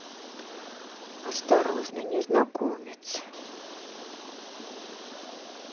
осторожно незнакомец